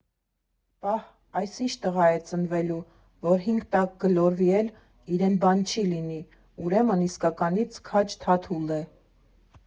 «Պա՜հ, այս ինչ տղա է ծնվելու, որ հինգ տակ գլորվի էլ, իրեն բան չլինի, ուրեմն իսկականից քաջ Թաթուլ է»։